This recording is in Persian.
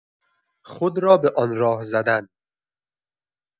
خود را به آن راه زدن